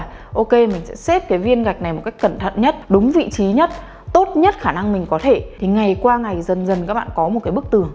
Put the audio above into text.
ok mình sẽ xếp cái viên gạch này một cách cẩn thận nhất đúng vị trí nhất tốt nhất khả năng mình có thể thì ngày qua ngày dần dần các bạn có một cái bức tường